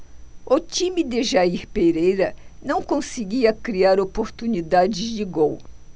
o time de jair pereira não conseguia criar oportunidades de gol